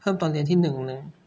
เพิ่มตอนเรียนที่หนึ่งหนึ่ง